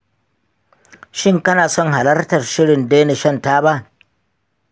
shin kana son halartar shirin daina shan taba?